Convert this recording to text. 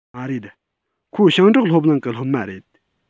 མ རེད ཁོ ཞིང འབྲོག སློབ གླིང གི སློབ མ རེད